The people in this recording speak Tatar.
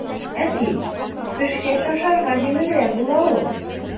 Әти, пешкәч ашарга җиңелрәк була ул.